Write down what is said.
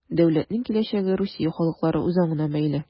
Дәүләтнең киләчәге Русия халыклары үзаңына бәйле.